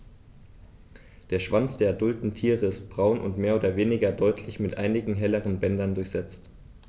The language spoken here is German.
Der Schwanz der adulten Tiere ist braun und mehr oder weniger deutlich mit einigen helleren Bändern durchsetzt.